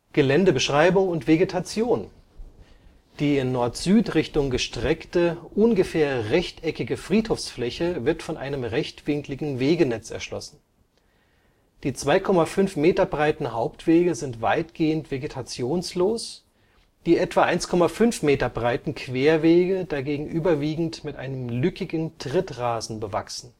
Geländebeschreibung und Vegetation: Die in Nord-Süd-Richtung gestreckte, ungefähr rechteckige Friedhofsfläche wird von einem rechtwinkligen Wegenetz erschlossen. Die 2,5 Meter breiten Hauptwege sind weitgehend vegetationslos, die etwa 1,5 Meter breiten Querwege dagegen überwiegend mit einem lückigen Trittrasen bewachsen